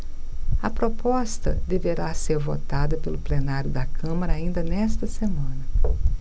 a proposta deverá ser votada pelo plenário da câmara ainda nesta semana